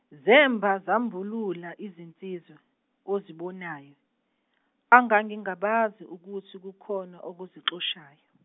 zemba zambulula izinsizwa ozibonayo angangingabazi ukuthi kukhona okuzixoshayo.